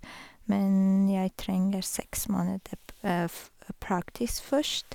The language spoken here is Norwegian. Men jeg trenger seks måneder p f praksis først.